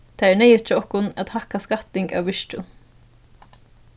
tað er neyðugt hjá okkum at hækka skatting av virkjum